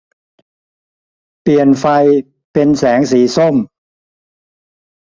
เปลี่ยนไฟเป็นแสงสีส้ม